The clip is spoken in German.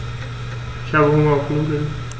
Ich habe Hunger auf Nudeln.